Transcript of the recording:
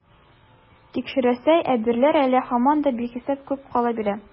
Тикшерәсе әйберләр әле һаман да бихисап күп кала бирә.